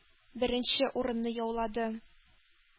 Беренче урынны яулады,